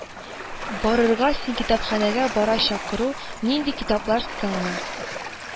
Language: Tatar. Барырга син китапханəгə барачакыру, нинди китаплар сыңмы